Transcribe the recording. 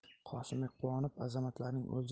qosimbek quvonib azamatlarning